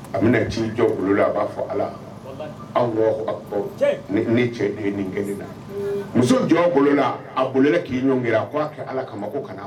A bɛna ci jɔ bolo la a b'a fɔ ala anw ne cɛ ni kɛlen na muso jɔn kolonla a ko k'i ɲɔgɔn a k' a kɛ ala kama ko ka